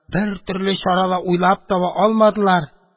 Бертөрле чара да уйлап таба алмадылар.